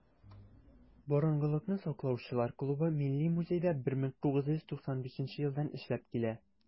"борынгылыкны саклаучылар" клубы милли музейда 1995 елдан эшләп килә.